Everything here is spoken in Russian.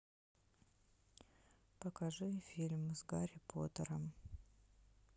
покажи фильмы с гарри поттером